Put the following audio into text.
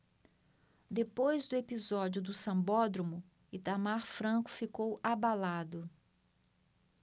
depois do episódio do sambódromo itamar franco ficou abalado